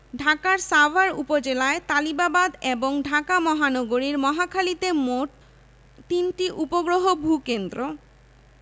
ঢাকার সাভার উপজেলায় তালিবাবাদ এবং ঢাকা মহানগরীর মহাখালীতে মোট তিনটি উপগ্রহ ভূ কেন্দ্র